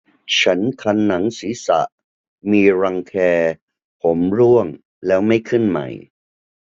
ฉันคันหนังศีรษะมีรังแคผมร่วงแล้วไม่ขึ้นใหม่